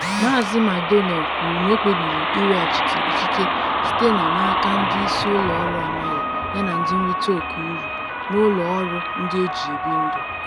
Mazị McDonnell kwuru na o kpebiri iweghachite ikike site na n’aka ndị ‘isi ụlọ ọrụ amaghị’ yana “ndị nrite oke uru’ n’ụlọ ọrụ ndị eji ebi ndụ.